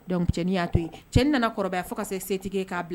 'a to nana fo ka setigi k'a